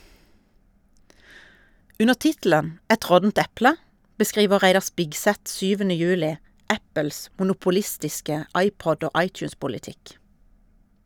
Under tittelen "Et råttent eple" beskriver Reidar Spigseth 7. juli Apples monopolistiske iPod- og iTunes-politikk.